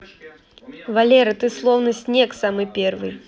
валера ты словно снег самый первый